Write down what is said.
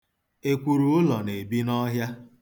Ekwurụụlọ na-ebi n'ohịa.